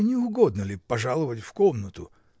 — Не угодно ли пожаловать в комнату?